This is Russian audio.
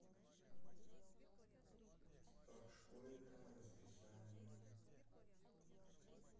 как школьное расписание